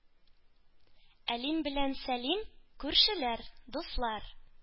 Әлим белән Сәлим – күршеләр, дуслар.